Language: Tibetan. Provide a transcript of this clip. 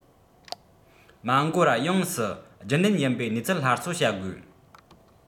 མ འགོར བར ཡོངས སུ རྒྱུན ལྡན ཡིན པའི གནས ཚུལ སླར གསོ བྱ དགོས